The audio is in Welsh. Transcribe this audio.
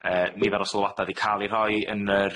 yy nifer o sylwada 'di ca'l eu rhoi yn yr